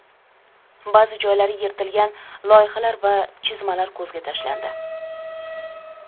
ba'zi joylari yirtilgan loyihalar va chizmalar ko'zga tashlandi